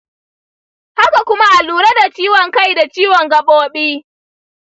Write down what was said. haka kuma a lura da ciwon kai da ciwon gabobi.